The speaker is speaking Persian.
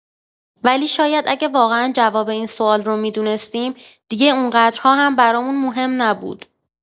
ولی شاید اگه واقعا جواب این سوال رو می‌دونستیم، دیگه اون‌قدرها هم برامون مهم نبود.